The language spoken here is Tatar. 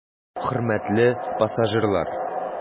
Хөрмәтле пассажирлар!